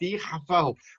di-hafal